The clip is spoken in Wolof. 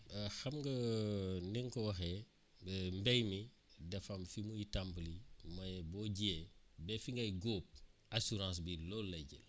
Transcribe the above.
xam nga ni nga ko waxee mbéy mi dafa am fi muy tàmbali mooy boo jiyee be fi ngay góob assurance bi loolu lay jël